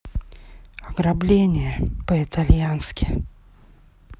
ограбление по итальянски